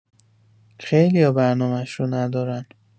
خیلیا برنامش رو ندارن